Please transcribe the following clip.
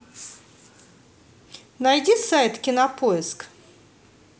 найди сайт кинопоиск